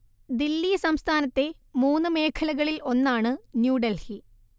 ദില്ലി സംസ്ഥാനത്തെ മൂന്നു മേഖലകളിൽ ഒന്നാണ് ന്യൂ ഡെൽഹി